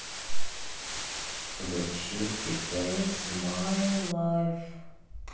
включи итс май лайф